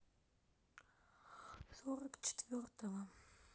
сорок четвертого